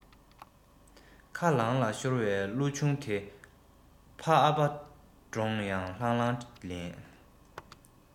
ཁ ལངས ལ ཤོར བའི གླུ ཆུང དེ ཕ ཨ ཕ གྲོངས ཡང ལྷང ལྷང ལེན